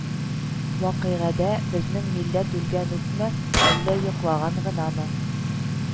Вакыйгъдә безнең милләт үлгән үкме, әллә йоклаган гынамы